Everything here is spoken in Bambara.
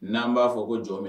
N'an b'a fɔ ko jɔn min